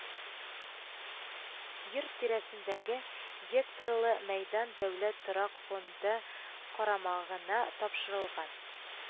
Йорт тирәсендәге гектарлы мәйдан Дәүләт торак фонды карамагына тапшырылган